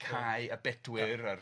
Cai a Bedwyr a'r